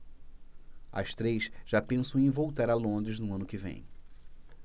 as três já pensam em voltar a londres no ano que vem